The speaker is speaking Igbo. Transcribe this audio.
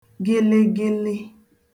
gịlịgịlị